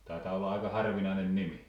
taitaa olla aika harvinainen nimi